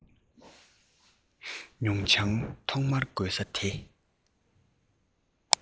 མྱོང བྱང ཐོག མར དགོད ས དེ